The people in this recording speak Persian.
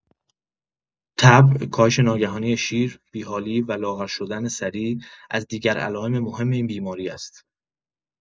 تب، کاهش ناگهانی شیر، بی‌حالی و لاغر شدن سریع از دیگر علائم مهم این بیماری است.